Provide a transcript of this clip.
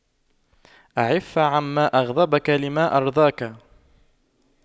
اعف عما أغضبك لما أرضاك